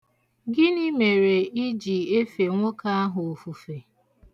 Gịnị mere ị ji efe nwoke ahụ ofufe?